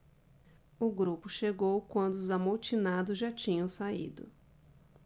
o grupo chegou quando os amotinados já tinham saído